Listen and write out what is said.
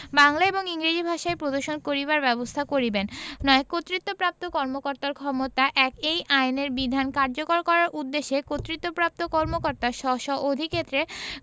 বাংলা এবং ইংরেজী ভাষায় প্রদর্শন করিবার ব্যবস্থা করিবেন ৯ কর্তৃত্বপ্রাপ্ত কর্মকর্তার ক্ষমতাঃ ১ এই আইনের বিধান কার্যকর করার উদ্দেশ্যে কর্তৃত্বপ্রাপ্ত কর্মকর্তা স্ব স্ব অধিক্ষেত্রে